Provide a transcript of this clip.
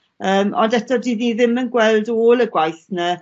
yym ond eto 'dyn ni ddim yn gweld ôl y gwaith 'na